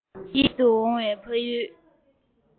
ཡིད དུ འོང བའི ཕ ཡུལ